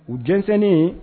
U dɛsɛnen